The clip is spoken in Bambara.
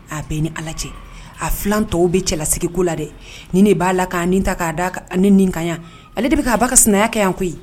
A bɛɛ ni ala cɛ a filan tɔw bɛ cɛlasigiko la dɛ ni b'a la k' ta k' ni nin ka ale de bɛ k'a ba ka sɛnɛ kɛ yan koyi